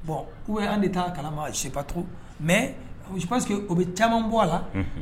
Bon u an de taa kalama sibato mɛ pa que u bɛ caman bɔ a la